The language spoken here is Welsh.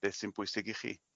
beth sy'n bwysig i chi.